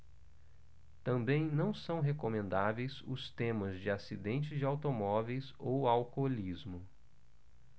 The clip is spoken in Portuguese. também não são recomendáveis os temas de acidentes de automóveis ou alcoolismo